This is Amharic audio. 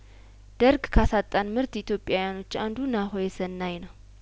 ደርግ ካሳጣንምርጥ ኢትዮጵያውያኖች አንዱና ሆ ሰናይነው